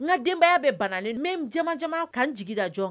N nka denbayaya bɛ bana n min jama caman ka n jigin da jɔ